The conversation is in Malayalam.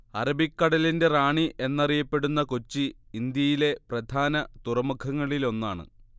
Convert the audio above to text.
അറബിക്കടലിന്റെ റാണി എന്നറിയപ്പെടുന്ന കൊച്ചി ഇന്ത്യയിലെ പ്രധാന തുറമുഖങ്ങളിലൊന്നാണ്